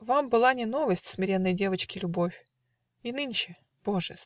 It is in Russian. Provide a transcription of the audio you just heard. Вам была не новость Смиренной девочки любовь? И нынче - боже!